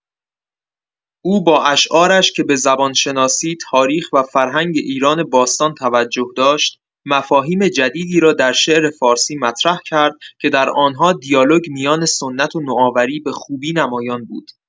او با اشعارش که به زبان‌شناسی، تاریخ و فرهنگ ایران باستان توجه داشت، مفاهیم جدیدی را در شعر فارسی مطرح کرد که در آنها دیالوگ میان سنت و نوآوری به‌خوبی نمایان بود.